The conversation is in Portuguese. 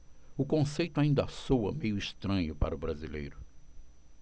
o conceito ainda soa meio estranho para o brasileiro